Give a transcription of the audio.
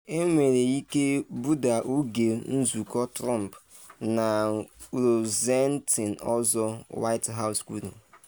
Enwere ike budaa oge nzụkọ Trump na Rosenstein ọzọ, White House kwuru